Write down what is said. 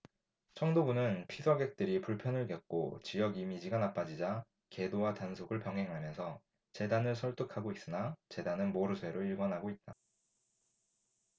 청도군은 피서객들이 불편을 겪고 지역 이미지가 나빠지자 계도와 단속을 병행하면서 재단을 설득하고 있으나 재단은 모르쇠로 일관하고 있다